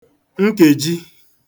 nkèji